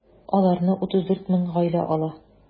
Аларны 34 мең гаилә ала.